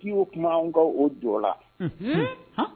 ' oo kumaanw ka o jɔ la